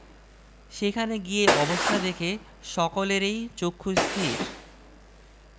সেখানে গিয়ে অবস্থা দেখে সকলেরই চক্ষুস্থির